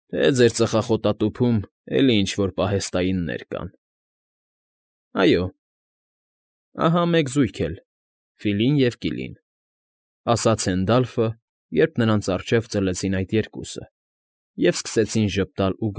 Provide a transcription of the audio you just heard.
Թե՞ ձեր ծխախոտատուփում էլի ինչ֊որ պահեստայիններ կան։ ֊ Այո, ահա մեկ զույգ էլ՝ Ֆիլին և Կիլին,֊ ասաց Հենդալֆը, երբ նրանց առջև ծլեցին այդ երկուսը և սկսեցին ժպտալ ու։